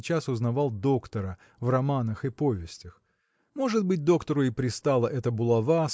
сейчас узнавал доктора в романах и повестях. Может быть доктору и пристала эта булава